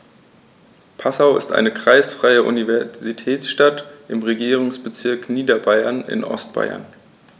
Passau ist eine kreisfreie Universitätsstadt im Regierungsbezirk Niederbayern in Ostbayern.